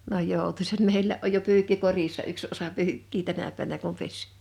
ne on joutuisat meillä on jo pyykki korissa yksi osa pyykkiä tänä päivänä kun pesi